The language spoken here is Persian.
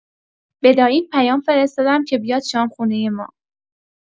به داییم پیام فرستادم که بیاد شام خونه ما.